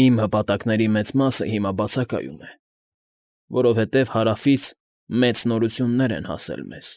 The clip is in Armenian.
Իմ հպատակների մեծ մասը հիմա բացակայում է, որովհետև Հարավից մեծ նորություններ են հասել մեզ.